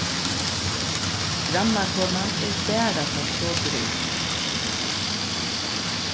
grannakonan er barasta so droy